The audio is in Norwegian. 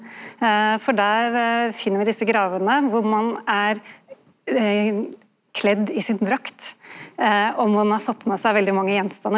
for der finn vi desse grava kor ein er kledd i sin drakt og ein har fått med seg veldig mange gjenstandar.